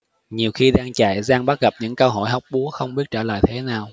nhiều khi đang dạy giang bắt gặp những câu hỏi hóc búa không biết trả lời thế nào